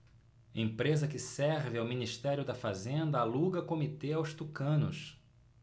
empresa que serve ao ministério da fazenda aluga comitê aos tucanos